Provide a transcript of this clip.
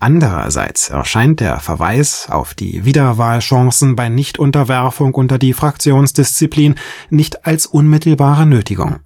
Andererseits erscheint der Verweis auf die Wiederwahlchancen bei Nichtunterwerfung unter die Fraktionsdisziplin nicht als unmittelbare Nötigung